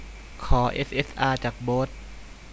ขอเอสเอสอาจากโบ๊ท